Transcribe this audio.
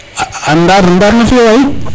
Ndar Ndar nam fio waay